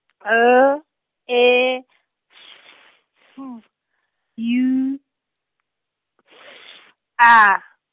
L, E , F , U, F A.